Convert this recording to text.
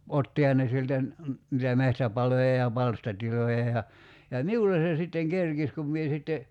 ottihan ne sieltä - niitä metsäpaloja ja palstatiloja ja ja minulle se sitten kerkisi kun minä sitten